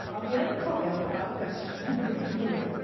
A fi yn cofio cael y cwestiwn a gweud y gwir